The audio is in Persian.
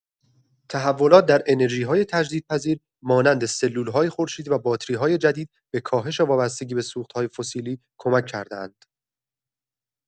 تحولات در انرژی‌های تجدیدپذیر مانند سلول‌های خورشیدی و باتری‌های جدید به کاهش وابستگی به سوخت‌های فسیلی کمک کرده‌اند.